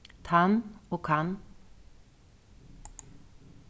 tann og kann